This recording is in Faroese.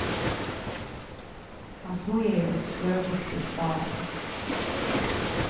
hann smíðaði eitt svørð burtur úr stálinum